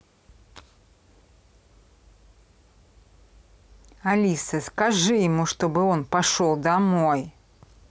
алиса скажи ему чтобы он пошел домой